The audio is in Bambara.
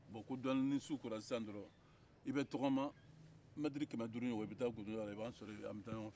bon ko dɔɔnin ni sukora sisan dɔrɔn i bɛ tagama mɛtɛrɛ kɛmɛ duuru ɲɔgɔn i bɛ taa gudɔrɔnda la i b'an sɔrɔ yen an bɛ taa ɲɔgɔn fɛ